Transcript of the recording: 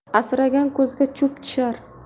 asragan ko'zga cho'p tushar